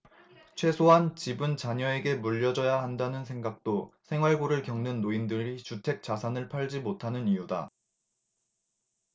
최소한 집은 자녀에게 물려줘야 한다는 생각도 생활고를 겪는 노인들이 주택 자산을 팔지 못하는 이유다